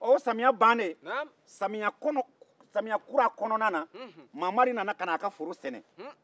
o samiya bannen samiya kura kɔnɔna na mamari nana ka na ka foro sɛnɛ